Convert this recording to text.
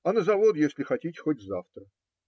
А на завод, если хотите, хоть завтра.